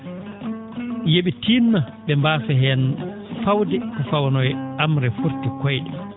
yo ?e tiinno ?e mbaasa heen fawde ko fawanoo he amre forti koy?e